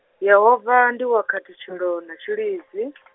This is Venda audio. Yehova ndi wa khathutshelo na tshilidzi.